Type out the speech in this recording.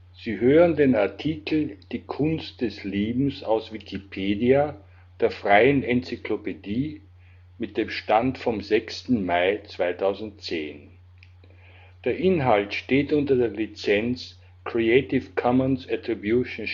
Sie hören den Artikel Die Kunst des Liebens, aus Wikipedia, der freien Enzyklopädie. Mit dem Stand vom Der Inhalt steht unter der Lizenz Creative Commons Attribution